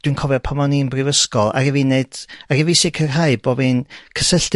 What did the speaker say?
dwi'n cofio pam oni'n brifysgol 'aru fi 'neud a'ru fi sicrhau bo' fi'n cysylltu